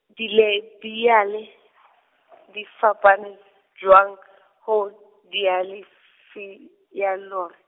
dilebiyale di fapane jwang ho dialefiyolare.